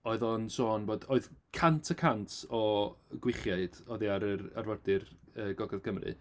Oedd o'n sôn bod oedd cant y cant o gwichiaid oddi ar yr arfordir yy Gogledd Cymru.